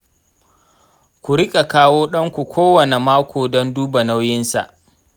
ku riƙa kawo ɗanku kowane mako don duba nauyinsa.